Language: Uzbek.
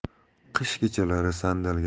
qish kechalari sandalga